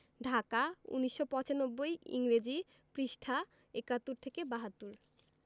ঢাকা ১৯৯৫ ইংরেজি পৃঃ ৭১-৭২